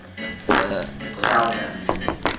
sao không mẹ